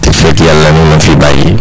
te fii ak yàlla mu nga ma fiy bàyyi